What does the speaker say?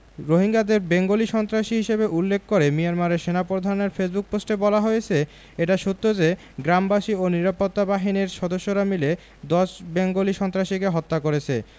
রোহিঙ্গাদের বেঙ্গলি সন্ত্রাসী হিসেবে উল্লেখ করে মিয়ানমারের সেনাপ্রধানের ফেসবুক পোস্টে বলা হয়েছে এটা সত্য যে গ্রামবাসী ও নিরাপত্তা বাহিনীর সদস্যরা মিলে ১০ বেঙ্গলি সন্ত্রাসীকে হত্যা করেছে